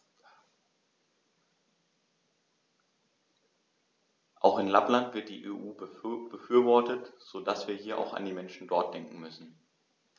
Auch in Lappland wird die EU befürwortet, so dass wir hier auch an die Menschen dort denken müssen.